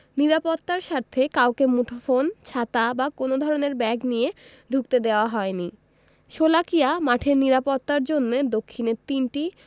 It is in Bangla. নিরাপত্তার স্বার্থে কাউকে মুঠোফোন ছাতা বা কোনো ধরনের ব্যাগ নিয়ে ঢুকতে দেওয়া হয়নি শোলাকিয়া মাঠের নিরাপত্তার জন্য দক্ষিণে তিনটি